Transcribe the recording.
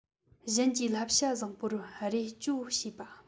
གཞན གྱི བསླབ བྱ བཟང པོར རས གཅོད བྱེད པ